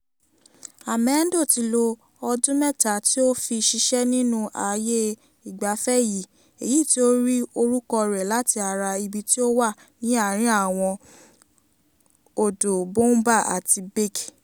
Amendo ti lo ọdún mẹ́ta tí ó fi ṣiṣẹ́ nínú àyè ìgbafẹ́ yìí, èyí tí ó rí orúkọ rẹ̀ láti ara ibi tí ó wà ní àárín àwọn odò Boumba àti Bek.